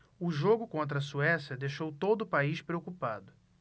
o jogo contra a suécia deixou todo o país preocupado